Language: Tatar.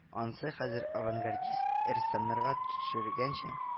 Ансы, хәзерге авангардист рәссамнарга ттөшергәнчә